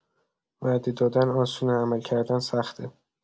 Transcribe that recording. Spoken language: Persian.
وعده دادن آسونه، عمل کردن سخته.